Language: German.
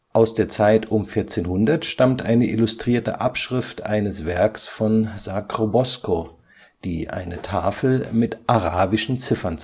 Aus der Zeit um 1400 stammt eine illustrierte Abschrift eines Werks von Sacrobosco, die eine Tafel mit arabischen Ziffern